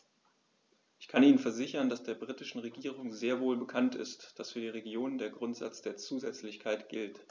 Ich kann Ihnen versichern, dass der britischen Regierung sehr wohl bekannt ist, dass für die Regionen der Grundsatz der Zusätzlichkeit gilt.